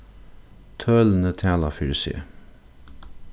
tølini tala fyri seg